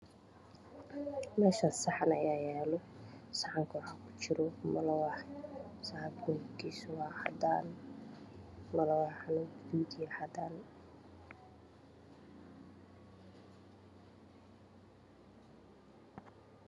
Meeshaan saxan ayaa yaalo saxanka waxaa kujiro malawax saxanka medebkiisu waa cadaan malawaxana waa gaduud iyo cadaan